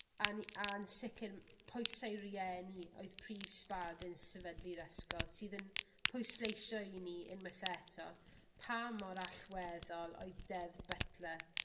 a ni a'n sicir m- pwysau rieni oedd prif sbardun sefydlu'r ysgol sydd yn pwysleisio i ni unwaith eto pa mor allweddol oedd Deddf Butler